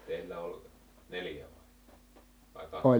teillä oli neljä vai vai kaksi